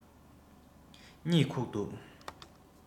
གཉིད ཁུག འདུག